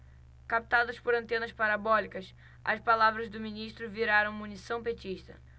captadas por antenas parabólicas as palavras do ministro viraram munição petista